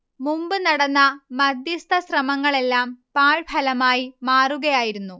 മുമ്പ് നടന്ന മധ്യസ്ഥ ശ്രമങ്ങളെല്ലാം പാഴ്ഫലമായി മാറുകയായിരുന്നു